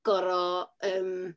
gorfod, yym...